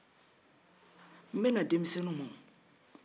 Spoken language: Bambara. n bɛ na denmisɛnninw ma